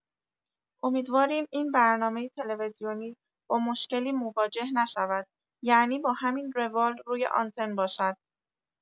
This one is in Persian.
امیدواریم این برنامه تلویزیونی با مشکلی مواجه نشود یعنی با همین روال روی آنتن باشد.